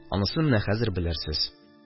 Анысын менә хәзер белерсез.